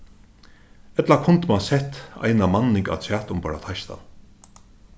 ella kundi mann sett eina manning afturat umborð á teistan